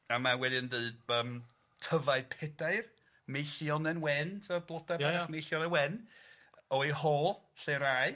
A mae wedyn deud b- yym tyfai pedair meillionen wen t'o blodau meillionen wen o'i holl lle 'r ai.